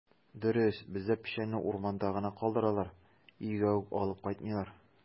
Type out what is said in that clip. Дөрес, бездә печәнне урманда гына калдыралар, өйгә үк алып кайтмыйлар.